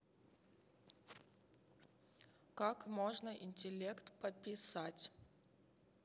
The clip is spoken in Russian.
как можно интеллект пописать